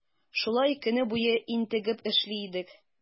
Шулай көне буе интегеп эшли идек.